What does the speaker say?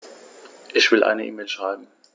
Ich will eine E-Mail schreiben.